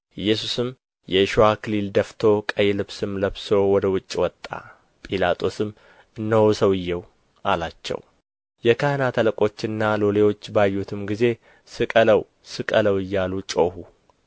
ኢየሱስም የእሾህ አክሊል ደፍቶ ቀይ ልብስም ለብሶ ወደ ውጭ ወጣ ጲላጦስም እነሆ ሰውዬው አላቸው የካህናት አለቆችና ሎሌዎች ባዩትም ጊዜ ስቀለው ስቀለው እያሉ ጮኹ